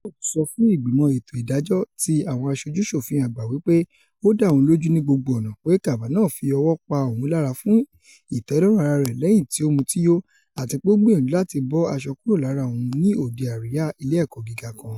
Ford sọ fún Ìgbîmọ̀ Ètò Ìdájọ́ ti Àwọn Àṣojú-ṣòfin Àgbà wí pé ó dá òun lójù ní gbogbo ọ̀nà pé Kavanaugh fí ọwọ́ pa òun lára fún ìtẹ́lọ́rún ara rẹ lẹ́yìn tí ó mutíyò àtipé ó gbìyànjú láti bọ aṣọ kúrò lára òun ní òde àríya ilé-ẹ̀kọ́ gíga kan.